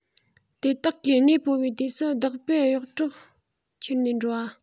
དེ དག གིས གནས སྤོ བའི དུས སུ བདག པོས གཡོག གྲོག ཁྱེར ནས འགྲོ བ རེད